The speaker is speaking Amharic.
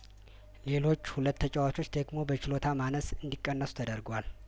ሌሎች ሁለት ተጫዋቾች ደግሞ በችሎታ ማነስ እንዲቀነሱ ተደርጓል